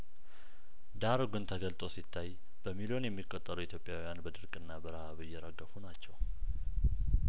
ዳሩ ግን ተገልጦ ሲታይ በሚሊዮን የሚቆጠሩ ኢትዮጵያውያን በድርቅና በረሀብ እየረገፉ ናቸው